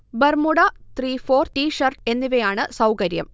Bermuda, three fourth, T shirt എന്നിവയാണ് സൗകര്യം